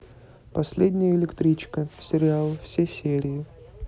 последняя электричка сериал все серии